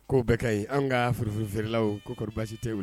Koo bɛɛ ka ɲi an ka furuforoverelaw ko basi tɛ wuli